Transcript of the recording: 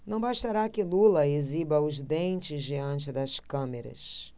não bastará que lula exiba os dentes diante das câmeras